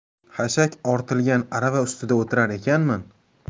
xashak ortilgan arava ustida o'tirar ekanman